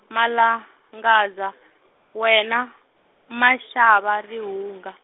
Malangadza wena, maxava rihunga.